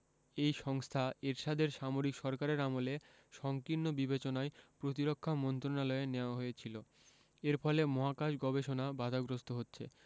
এই সংস্থা এরশাদের সামরিক সরকারের আমলে সংকীর্ণ বিবেচনায় প্রতিরক্ষা মন্ত্রণালয়ে নেওয়া হয়েছিল এর ফলে মহাকাশ গবেষণা বাধাগ্রস্ত হচ্ছে